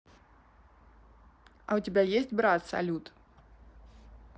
а у тебя есть брат салют